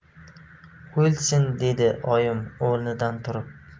o'lsin dedi oyim o'rnidan turib